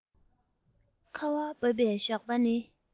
ཁ བ བབས པའི ཞོགས པ ནི